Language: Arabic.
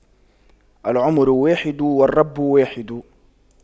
العمر واحد والرب واحد